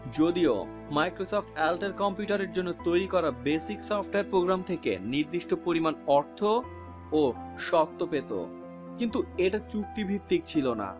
যদিও মাইক্রোসফট এল্ডার কম্পিউটারের জন্য তৈরি করা বেসিক সফটওয়্যার প্রোগ্রাম থেকে নির্দিষ্ট পরিমাণ অর্থ ও সত্ত পেত কিন্তু এটা চুক্তিভিত্তিক ছিল না